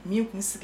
Mini kun sigi